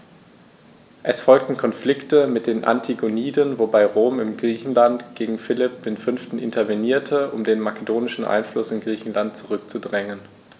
Es folgten Konflikte mit den Antigoniden, wobei Rom in Griechenland gegen Philipp V. intervenierte, um den makedonischen Einfluss in Griechenland zurückzudrängen.